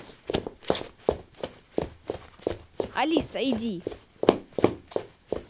алиса иди